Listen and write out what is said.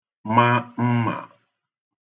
ma mmà